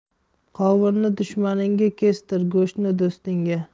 qovunni dushmaningga kestir go'shtni do'stingga